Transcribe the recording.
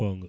gonga